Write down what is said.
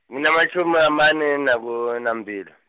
nginamatjhumi amane, naku, nambili.